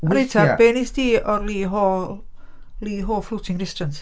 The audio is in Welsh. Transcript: Olreit ta, be wnest ti o'r Lee Ho... Lee Ho Floating Restaurant?